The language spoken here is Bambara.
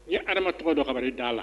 N ye ha adamama tɔgɔ dɔ kabali d' a la